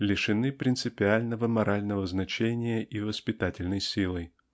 лишены принципиального морального значения и воспитательной силы.